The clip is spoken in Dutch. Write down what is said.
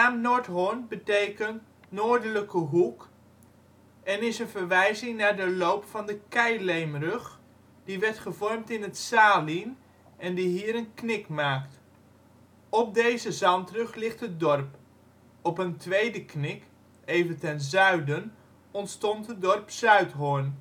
Noordhorn betekent: noordelijke hoek en is een verwijzing naar de loop van de keileemrug (gast), die werd gevormd in het Saalien en die hier een knik maakt. Op deze zandrug ligt het dorp. Op een tweede knik, even ten zuiden, ontstond het dorp Zuidhorn